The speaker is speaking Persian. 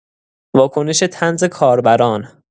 واکنش طنز کاربران